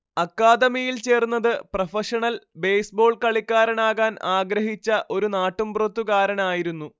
അക്കാദമിയിൽചേർന്നത് professional baseball കളിക്കാരനാകാൻ ആഗ്രഹിച്ച ഒരു നാട്ടുമ്പുറത്തുകാരനായിരുന്നു